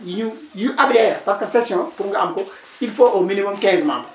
yu ñu yu adhéré parce que section pour nga am ko il faut au minimum 1( membres